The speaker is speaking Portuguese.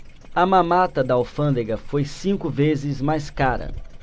a mamata da alfândega foi cinco vezes mais cara